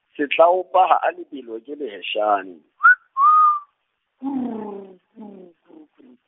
Setlaopa ha a lebelo ke leheshane, , kurr kurr kurr kurr.